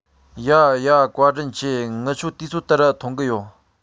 ཡ ཡ བཀའ དྲིན ཆེ ངི ཆོ དུས ཚོད ལྟར གི ཡོང ང